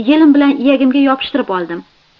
yelim bilan iyagimga yopishtirib oldim